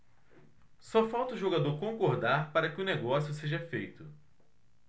só falta o jogador concordar para que o negócio seja feito